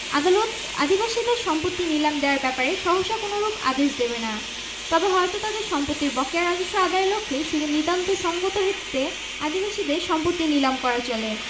আদালত আদিবাসীদের সম্পত্তি নীলাম দেয়ার ব্যাপারে সহসা কোনরূপ আদেশ দেবেনা তবে হযরত তাদের সম্পত্তির বকেয়া রাজস্ব আদায়ের লক্ষেই শুধু নিতান্ত সঙ্গতহেতুতে আদিবাসীদের সম্পত্তি নীলাম করা চলে